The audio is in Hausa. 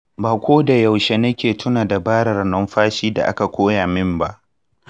ba ko da yaushe nake tuna dabarar numfashin da aka koya min ba.